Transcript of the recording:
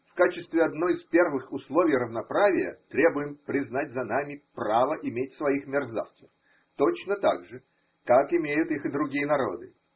В качестве одного из первых условий равноправия, требуем признать за нами право иметь своих мерзавцев, точно так же. как имеют их и другие народы.